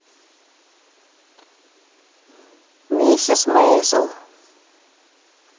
миссис мейзел